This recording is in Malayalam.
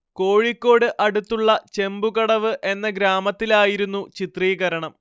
കോഴിക്കോട് അടുത്തുള്ള ചെമ്പുകടവ് എന്ന ഗ്രാമത്തിലായിരുന്നു ചിത്രീകരണം